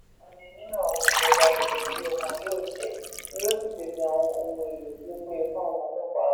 Tani nínú àwọn ìjọba ni ẹ̀rí ọkàn yóò jẹ́ tí yóò sì pèsè àwọn ohun èlò tí ó péye fún àwọn ọlọ́pàá wa?